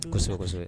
Kɔ kosɛbɛ kosɛbɛ